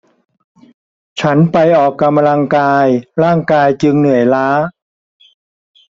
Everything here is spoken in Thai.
ฉันไปออกกำลังกายร่างกายจึงเหนื่อยล้า